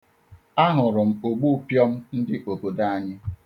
Ahụrụ m ogbupịọm ndị obodo anyị.